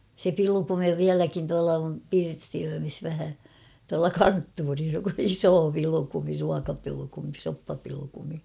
se pilkumi vieläkin tuolla on pirstiöimissä vähän tuolla konttorissa iso pilkumi ruokapilkumi soppapilkumi